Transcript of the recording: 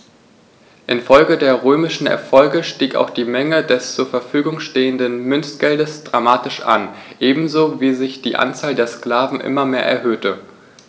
Infolge der römischen Erfolge stieg auch die Menge des zur Verfügung stehenden Münzgeldes dramatisch an, ebenso wie sich die Anzahl der Sklaven immer mehr erhöhte.